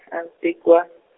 a ni tekiwa-.